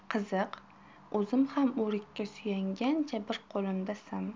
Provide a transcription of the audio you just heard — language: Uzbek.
qiziq o'zim ham o'rikka suyangancha bir qo'limda sim